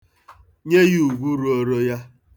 Nye ya ugwu ruoro ya.